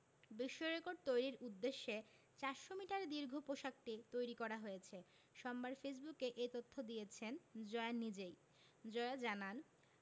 বিশ্বরেকর্ড তৈরির উদ্দেশ্যে ৪০০ মিটার দীর্ঘ পোশাকটি তৈরি করা হয়েছে সোমবার ফেসবুকে এ তথ্য দিয়েছেন জয়া নিজেই জয়া জানান